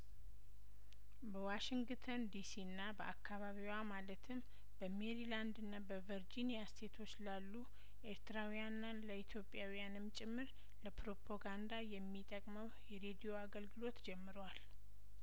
በዋሽንግተን ዲሲና በአካባቢዋ ማለትም በሜሪላንድና በቨርጂኒያ ስቴቶች ላሉ ኤርትራውያንና ለኢትዮጵያውያንም ጭምር ለፕሮፖጋንዳ የሚጠቅመው የሬዲዮ አገልግሎት ጀምሯል